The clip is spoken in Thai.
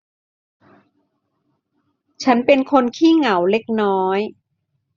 ฉันเป็นคนขี้เหงาเล็กน้อย